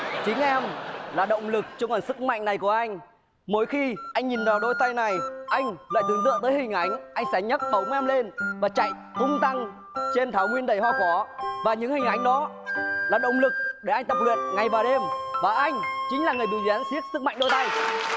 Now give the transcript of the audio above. chính em là động lực cho nguồn sức mạnh này của anh mỗi khi anh nhìn vào đôi tay này anh lại tưởng tưởng tới hình ảnh anh sẽ nhấc bổng em lên và chạy tung tăng trên thảo nguyên đầy hoa cỏ và những hình ảnh đó là động lực để anh tập luyện ngày và đêm và anh chính là người biểu diễn xiếc sức mạnh đôi tay